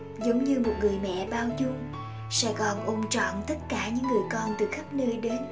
giống như một người mẹ bao dung sài gòn ôm trọn tất cả những người con từ khắp nơi đến